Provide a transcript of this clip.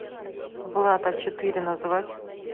влад а четыре назвать